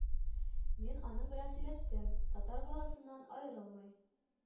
Мин аның белән сөйләштем, татар баласыннан аерылмый